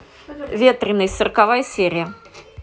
ветренный сороковая серия